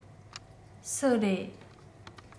སུ རེད